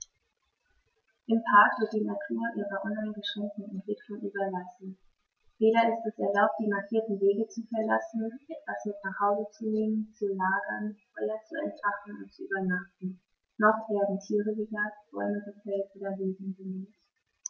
Im Park wird die Natur ihrer uneingeschränkten Entwicklung überlassen; weder ist es erlaubt, die markierten Wege zu verlassen, etwas mit nach Hause zu nehmen, zu lagern, Feuer zu entfachen und zu übernachten, noch werden Tiere gejagt, Bäume gefällt oder Wiesen gemäht.